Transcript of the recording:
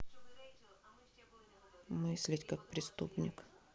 мыслить как преступник